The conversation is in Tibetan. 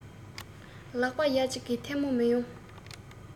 ལག པ ཡ གཅིག གིས ཐལ མོ མི ཡོང